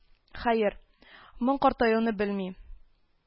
Хәер, моң картаюны белми